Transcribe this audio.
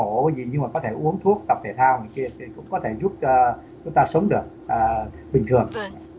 mổ gì như mà có thể uống thuốc tập thể thao xuyên để cũng có thể giúp ta chúng ta sống được à bình thường